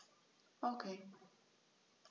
Okay.